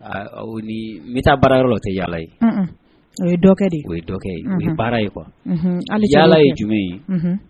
Ni n misi baara yɔrɔ dɔ tɛ yaa ye o yekɛ de o yekɛ ye nin baara ye kuwa hali yaa ye jumɛn ye